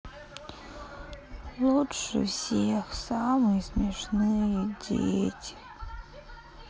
лучше всех самые смешные дети